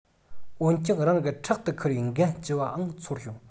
འོན ཀྱང རང གི ཕྲག ཏུ ཁུར བའི འགན ལྕི བའང ཚོར བྱུང